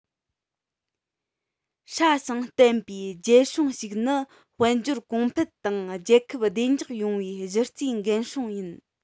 སྲ ཞིང བརྟན པའི རྒྱལ སྲུང ཞིག ནི དཔལ འབྱོར གོང སྤེལ དང རྒྱལ ཁབ བདེ འཇགས ཡོང བའི གཞི རྩའི འགན སྲུང ཡིན